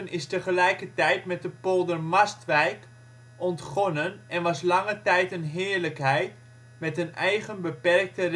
is tegelijkertijd met de polder Mastwijk ontgonnen en was lange tijd een heerlijkheid met een eigen beperkte